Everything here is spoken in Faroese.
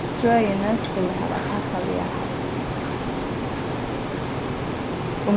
trøini skulu hava passaliga hædd